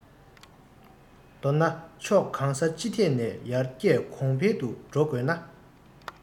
མདོར ན ཕྱོགས གང ས ཅི ཐད ནས ཡར རྒྱས གོང འཕེལ དུ འགྲོ དགོས ན